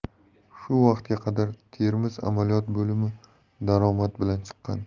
shu vaqtga qadar termiz amaliyot bo'limi daromad bilan chiqqan